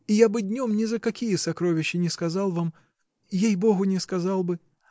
И я бы днем ни за какие сокровища не сказал вам. ей-богу, не сказал бы.